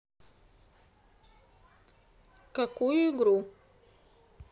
какую игру